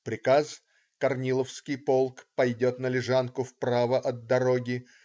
Приказ: Корниловский полк пойдет на Лежанку вправо от дороги.